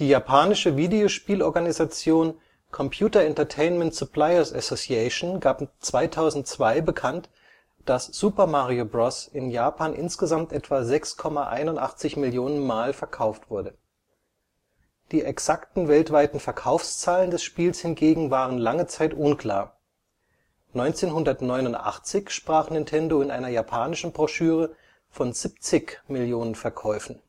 japanische Videospielorganisation Computer Entertainment Supplier 's Association gab 2002 bekannt, dass Super Mario Bros. in Japan insgesamt etwa 6,81 Millionen Mal verkauft wurde. Die exakten weltweiten Verkaufszahlen des Spiels hingegen waren lange Zeit unklar. 1989 sprach Nintendo in einer japanischen Broschüre von 70 Millionen Verkäufen